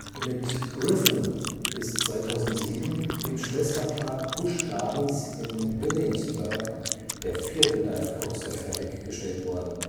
Mit Griffon ist 2007 im Schwesterpark Busch Gardens in Williamsburg der vierte Dive Coaster fertiggestellt worden